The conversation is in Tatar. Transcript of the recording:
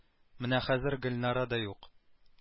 Менә хәзер гөлнара да юк